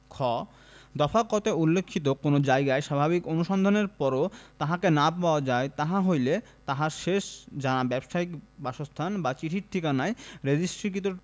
খ দফা ক তে উল্লেখিত কোন জায়গায় স্বাভাবিক অনুসন্ধানের পরও তাহাকে না পাওয়া যায় তাহা হইলে তাহার শেষ জানা ব্যবসায়িক বাসস্থান বা চিঠির ঠিকানায় রেজিষ্ট্রিকৃত